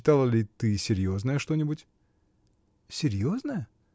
Читала ли ты серьезное что-нибудь? — Серьезное?